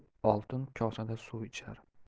kosada suv ichar